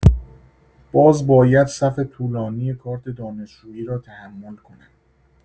باز باید صف طولانی کارت دانشجویی رو تحمل کنم